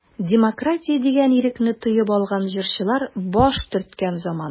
Демократия дигән ирекне тоеп алган җырчылар баш төрткән заман.